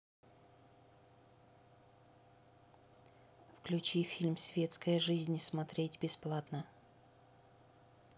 включи фильм светская жизнь смотреть бесплатно